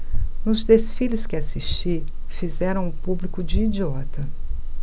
nos desfiles que assisti fizeram o público de idiota